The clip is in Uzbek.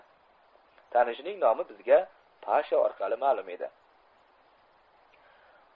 tanishining nomi bizga pasha orqali ma'lum edi